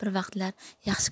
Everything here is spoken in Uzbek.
bir vaqtlar yaxshi